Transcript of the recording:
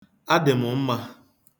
Adị m mma.